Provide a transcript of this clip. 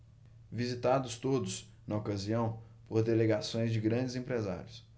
visitados todos na ocasião por delegações de grandes empresários